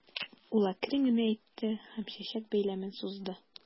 Ул әкрен генә әйтте һәм чәчәк бәйләмен сузды.